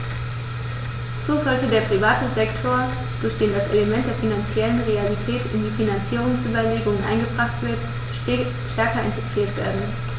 So sollte der private Sektor, durch den das Element der finanziellen Realität in die Finanzierungsüberlegungen eingebracht wird, stärker integriert werden.